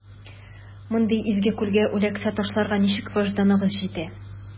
Мондый изге күлгә үләксә ташларга ничек вөҗданыгыз җитә?